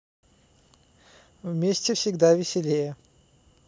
вместе всегда веселее